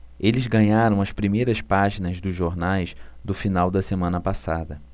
eles ganharam as primeiras páginas dos jornais do final da semana passada